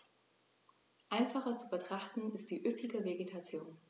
Einfacher zu betrachten ist die üppige Vegetation.